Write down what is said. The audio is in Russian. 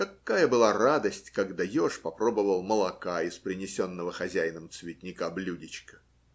Какая была радость, когда еж попробовал молока из принесенного хозяином цветника блюдечка!